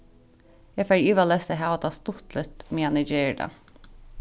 eg fari ivaleyst at hava tað stuttligt meðan eg geri tað